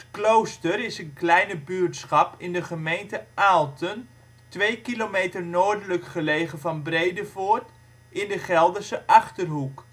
Klooster is een kleine buurtschap in de gemeente Aalten, twee kilometer noordelijk gelegen van Bredevoort in de Gelderse Achterhoek